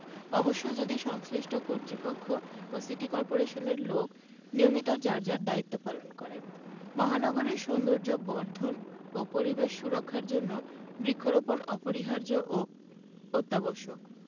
অবশ্য যদি সংশ্লিষ্ট কর্তৃপক্ষ ও সিটি কর্পোরেশনের লোক নিয়মিত যার যার দায়িত্ব পালন করেন মহানগরীর সৌন্দর্যবর্ধন ও পরিবেশ সুরক্ষার জন্য বৃক্ষরোপণ অপরিহার্য ও অত্যাবশ্যক